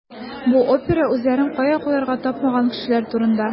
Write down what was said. Бу опера үзләрен кая куярга тапмаган кешеләр турында.